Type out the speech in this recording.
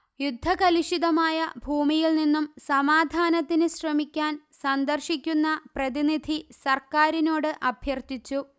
യുദ്ധകലുഷിതമായ ഭൂമിയില്നിന്നും സമാധാനത്തിന് ശ്രമിക്കാൻസന്ദർശിക്കുന്ന പ്രതിനിധി സർക്കാറിനോട് അഭ്യർഥിച്ചു